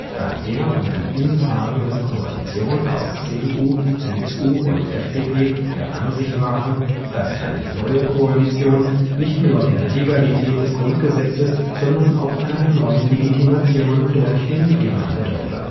da er und die ihn tragende Koalition aus CDU, CSU und FDP der Ansicht waren, dass eine neue Koalition nicht nur der Legalität des Grundgesetzes, sondern auch einer neuen Legitimation durch den Wähler bedürfe